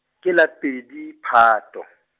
ke la pedi, Phato.